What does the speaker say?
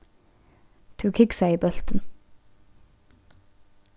tú kiksaði bóltin